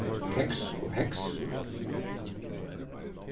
keks og heks